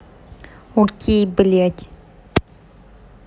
окей блять